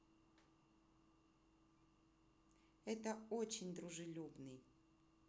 это очень дружелюбный